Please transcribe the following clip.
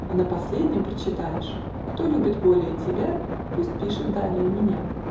А на последнем прочитаешь: "Кто любит более тебя, Пусть пишет далее меня".